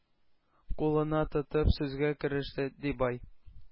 Кулына тотып сүзгә кереште, ди, бай: